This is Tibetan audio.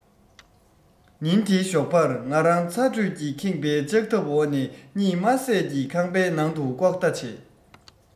ཉིན དེའི ཞོགས པར ང རང ཚ དྲོད ཀྱིས ཁེངས པའི ལྕགས ཐབ འོག ནས གཉིད མ སད ཀྱིས ཁང པའི ནང དུ ལྐོག ལྟ བྱས